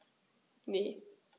Ne.